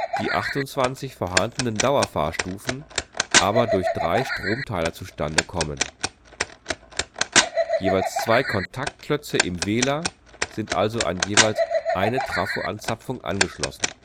die 28 vorhandenen Dauerfahrstufen aber durch drei Stromteiler zustande kommen. Jeweils zwei Kontaktklötze im Wähler sind also an jeweils eine Trafo-Anzapfung angeschlossen